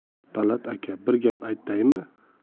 talat aka bir gap aytaymi